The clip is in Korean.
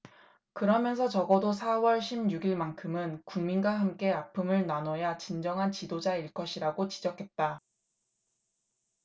그러면서 적어도 사 월 십 육 일만큼은 국민과 함께 아픔을 나눠야 진정한 지도자일 것이라고 지적했다